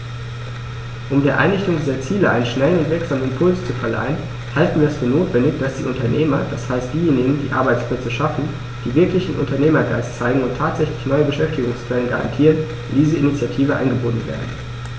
Um der Erreichung dieser Ziele einen schnellen und wirksamen Impuls zu verleihen, halten wir es für notwendig, dass die Unternehmer, das heißt diejenigen, die Arbeitsplätze schaffen, die wirklichen Unternehmergeist zeigen und tatsächlich neue Beschäftigungsquellen garantieren, in diese Initiative eingebunden werden.